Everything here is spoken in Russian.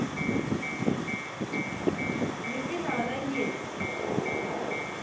нихрена она есть